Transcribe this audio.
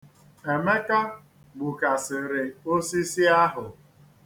Emeka gbukasịrị osisi ahụ.